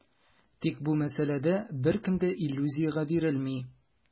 Тик бу мәсьәләдә беркем дә иллюзиягә бирелми.